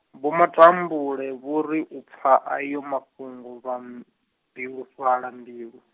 Vho Matambule vho ri u pfa ayo mafhungo vha , bilufhala mbilu.